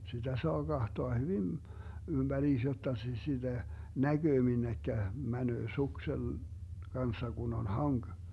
sitä saa katsoa hyvin ympäriinsä jotta - sitä näkee minne menee suksen kanssa kun on hanki